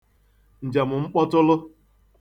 ǹjèm̀mkpọtụlụ